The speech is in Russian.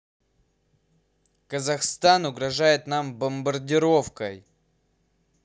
казахстан угрожает нам бомбардировкой